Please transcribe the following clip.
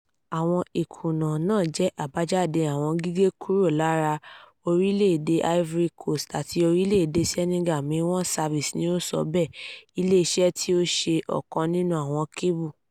Àwọn ìkùnà náà jẹ́ àbájáde àwọn gígé kúrò lára orílẹ̀ èdè Ivory Coast àti orílẹ̀ èdè Senegal, Main One Service ni ó sọ bẹ́ẹ̀, ilé iṣẹ́ tí ó ṣe ọkàn nínú àwọn kébù.